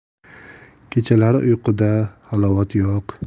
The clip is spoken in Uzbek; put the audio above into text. kechalari uyquda halovat yo'q